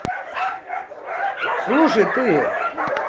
слушай ты